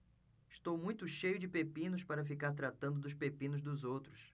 estou muito cheio de pepinos para ficar tratando dos pepinos dos outros